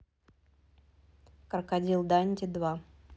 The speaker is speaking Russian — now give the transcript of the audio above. крокодил данди два